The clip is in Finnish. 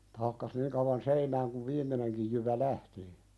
että hakkasi niin kauan seinään kun viimeinenkin jyvä lähti